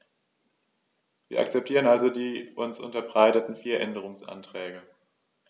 Wir akzeptieren also die uns unterbreiteten vier Änderungsanträge.